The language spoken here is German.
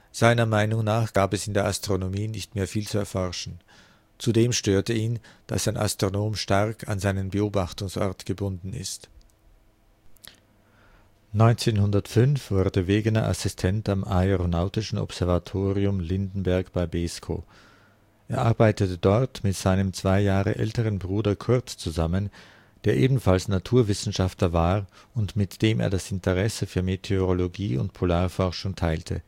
Seiner Meinung nach gab es in der Astronomie nicht mehr viel zu erforschen, zudem störte ihn, dass ein Astronom stark an seinen Beobachtungsort gebunden ist. 1905 wurde Wegener Assistent am Aeronautischen Observatorium Lindenberg bei Beeskow. Er arbeitete dort mit seinem zwei Jahre älteren Bruder Kurt zusammen, der ebenfalls Naturwissenschaftler war und mit dem er das Interesse für Meteorologie und Polarforschung teilte